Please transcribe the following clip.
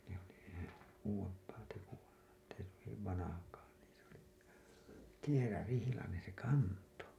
se oli se uudempaa tekoa että ei hyvin vanhakaan niin se oli kierärihlainen se kantoi